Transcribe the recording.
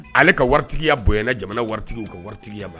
Ale ka wɔritigiya bonyana jamana wɔritigiw ka wɔritigiya ma